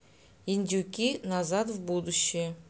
индюки назад в будущее